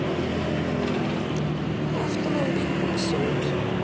автомобиль буксует